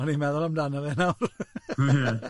O'n i'n meddwl amdano fe nawr!